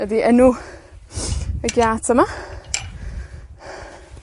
ydi enw y giat yma.